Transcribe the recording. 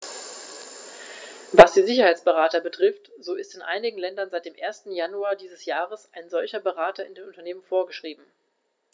Was die Sicherheitsberater betrifft, so ist in einigen Ländern seit dem 1. Januar dieses Jahres ein solcher Berater in den Unternehmen vorgeschrieben.